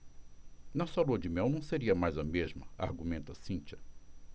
nossa lua-de-mel não seria mais a mesma argumenta cíntia